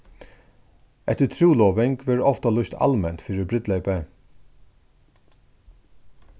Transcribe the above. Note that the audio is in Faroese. eftir trúloving verður ofta lýst alment fyri brúdleypi